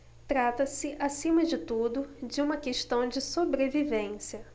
trata-se acima de tudo de uma questão de sobrevivência